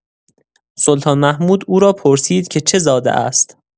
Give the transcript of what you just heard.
سلطان محمود او را پرسید که چه زاده است؟